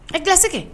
A tɛse kɛ